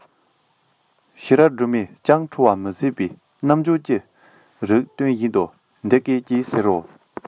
ཤེས རབ སྒྲོལ མས ཀྱང ཁྲོ བ མི ཟད པའི རྣམ འགྱུར ཅི རིགས སྟོན བཞིན དུ འདི སྐད ཅེས ཟེར རོ